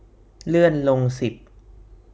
เลื่อนลงสิบ